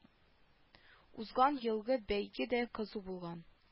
Узган елгы бәйге дә кызу булган